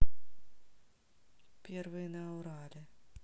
первый на урале